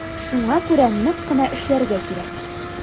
Шуңа күрә нык кына эшләргә кирәк.